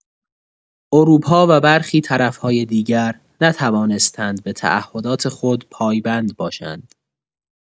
اروپا و برخی طرف‌های دیگر نتوانستند به تعهدات خود پایبند باشند.